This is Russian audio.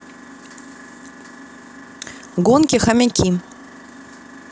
гонки хомяки